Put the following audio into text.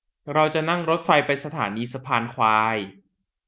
เราจะนั่งรถไฟไปสถานีสะพานควาย